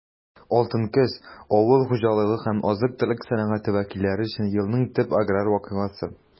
«алтын көз» - авыл хуҗалыгы һәм азык-төлек сәнәгате вәкилләре өчен елның төп аграр вакыйгасы.